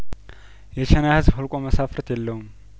የቻይና ህዝብሁ ልቆ መሳፍርት የለውም